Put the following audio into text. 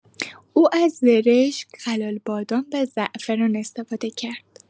او از زرشک، خلال بادام، و زعفران استفاده کرد.